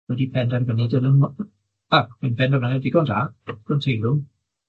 wedi penderfynu 'dyn nw'm yy yn benderfyniad ddigon da digon teilwng,